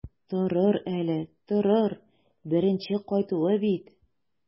Торыр әле, торыр, беренче кайтуы бит.